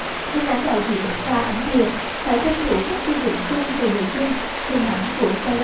hình ảnh đại diện và ảnh bìa phải tuân thủ các quy định chung về nội dung hình ảnh của zalo